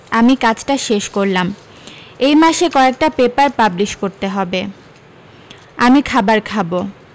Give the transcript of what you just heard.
আমি কাজটা শেষ করলাম এই মাসে কয়েকটা পেপার পাবলিশ করতে হবে আমি খাবার খাবো